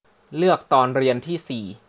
เลือกตอนเรียนที่สี่